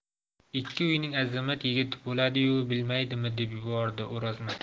ikki uyning azamat yigiti bo'ladi yu bilmaydimi deb yubordi o'rozmat